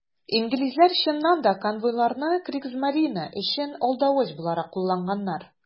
Инглизләр, чыннан да, конвойларны Кригсмарине өчен алдавыч буларак кулланганнар.